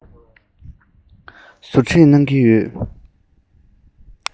ཟུར ཁྲིད གནང གི ཡོད